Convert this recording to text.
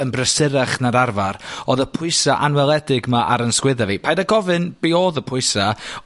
yn brysurach na'r arfar, odd y pwysa' anweledig 'ma ar 'yn sgwydda fi, paid â gofyn be' odd y pwysa, ...